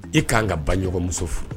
E k ka'an ka ba ɲɔgɔnmuso furu